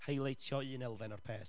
heilitio un elfen o'r peth.